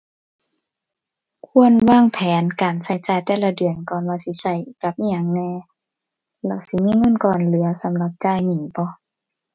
ควรวางแผนการใช้จ่ายแต่ละเดือนก่อนว่าสิใช้กับอิหยังแหน่ แล้วสิมีเงินก้อนเหลือสำหรับจ่ายหนี้บ่